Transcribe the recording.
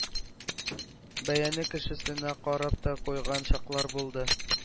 – бәяне кешесенә карап та куйган чаклар булды.